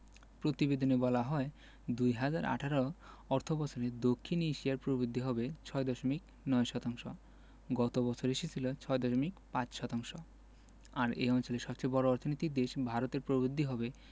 প্রতিবেদনে বলা হয় ২০১৮ অর্থবছরে দক্ষিণ এশিয়ায় প্রবৃদ্ধি হবে ৬.৯ শতাংশ গত বছর এসেছিল ৬.৫ শতাংশ আর এ অঞ্চলের সবচেয়ে বড় অর্থনৈতিক দেশ ভারতের প্রবৃদ্ধি হবে